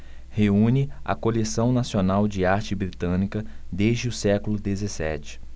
reúne a coleção nacional de arte britânica desde o século dezessete